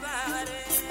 ba